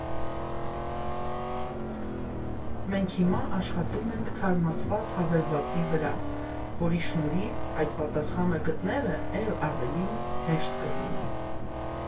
Մենք հիմա աշխատում ենք թարմացված հավելվածի վրա, որի շնորհիվ այդ պատասխանը գտնելը էլ ավելի հեշտ կլինի.